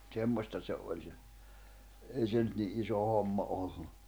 semmoista se oli se ei se nyt niin iso homma ollut